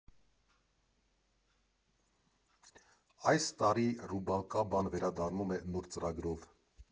Այս տարի Ռուբալկաբան վերադառնում է նոր ծրագրով։